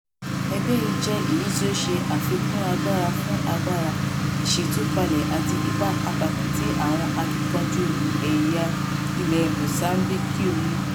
Ẹgbẹ́ yìí jẹ́ èyí tí ó ń ṣe àfikún agbára fún agbára ìṣètúpalẹ̀ àti ipa pàtàkì tí àwọn akíkanjú èèyàn ilẹ̀ Mozambique ní.